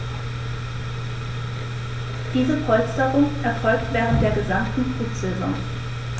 Diese Polsterung erfolgt während der gesamten Brutsaison.